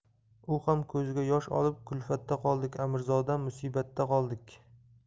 u ham ko'ziga yosh olib kulfatda qoldik amirzodam musibatda qoldik